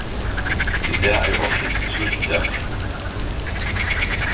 í dag er ársins síðsti dagur